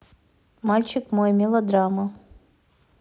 мальчик мой мелодрама